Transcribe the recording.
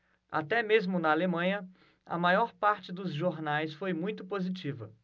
até mesmo na alemanha a maior parte dos jornais foi muito positiva